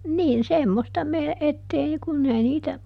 niin semmoista - että ei kun ei niitä